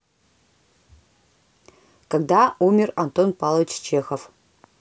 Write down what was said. когда умер антон павлович чехов